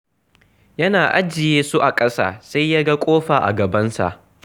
Yana ajiye su a ƙasa, sai ya ga ƙofa a gabansa.